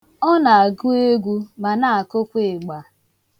Ọ na-agụ egwu ma na-akụkwa ịgba.